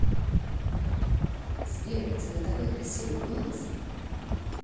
сбер у тебя такой красивый голос